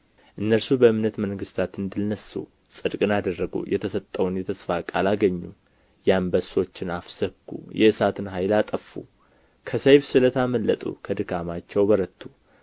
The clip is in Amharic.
እነርሱ በእምነት መንግሥታትን ድል ነሡ ጽድቅን አደረጉ የተሰጠውን የተስፋ ቃል አገኙ የአንበሶችን አፍ ዘጉ የእሳትን ኃይል አጠፉ ከሰይፍ ስለት አመለጡ ከድካማቸው በረቱ